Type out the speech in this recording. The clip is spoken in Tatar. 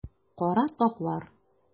Кара таплар.